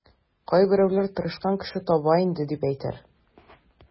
Кайберәүләр тырышкан кеше таба инде, дип әйтер.